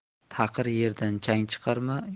taqir yerdan chang chiqarma